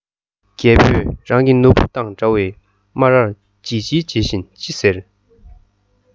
རྒད པོས རང གི ནོར བུ དང འདྲ བའི སྨ རར བྱིལ བྱིལ བྱེད བཞིན ཅི ཟེར